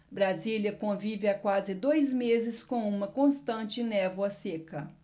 brasília convive há quase dois meses com uma constante névoa seca